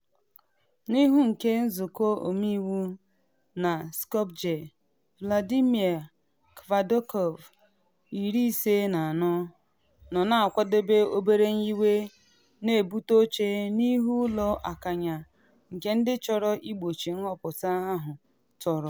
N’ihu nke nzụkọ ọmeiwu na Skopje, Vladimir Kavardarkov 54, nọ na akwadobe obere nyiwe, na ebute oche n’ihu ụlọ akanya nke ndị chọrọ igbochi nhọpụta ahụ tọrọ.